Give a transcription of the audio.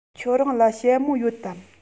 ཁྱོད རང ལ ཞྭ མོ ཡོད དམ